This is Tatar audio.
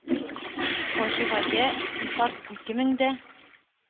Фаҗигагә Илфат ике мең дә